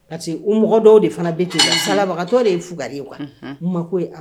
Parce que o mɔgɔ dɔw de fana be yen Unhun salabagatɔ de ye fugari ye quoi Unhun i ma ko ya